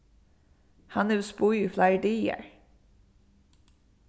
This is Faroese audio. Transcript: hann hevur spýð í fleiri dagar